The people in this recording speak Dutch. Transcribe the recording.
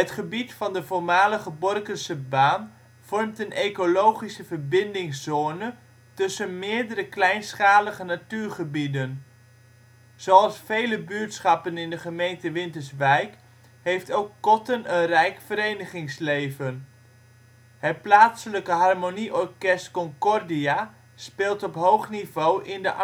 gebied van de voormalige Borkense baan vormt een ecologische verbindingszone tussen meerdere kleinschalige natuurgebieden. Zoals vele buurtschappen in de gemeente Winterswijk heeft ook Kotten een rijk verenigingsleven. Het plaatselijke harmonieorkest Concordia speelt op hoog niveau in de